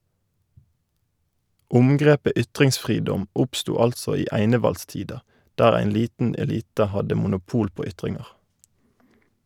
Omgrepet ytringsfridom oppstod altså i einevaldstida, der ein liten elite hadde monopol på ytringar.